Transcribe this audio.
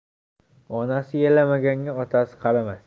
onasi yalamaganga otasi qaramas